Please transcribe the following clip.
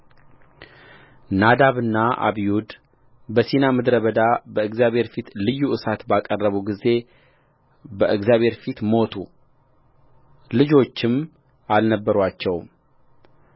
ናዳብና አብዩድ በሲና ምድረ በዳ በእግዚአብሔር ፊት ልዩ እሳት ባቀረቡ ጊዜ በእግዚአብሔር ፊት ሞቱ ልጆችም አልነበሩአቸውም